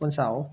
วันเสาร์